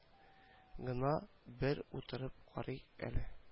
Гына бер утырып карыйк әле